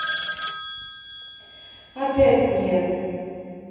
опять не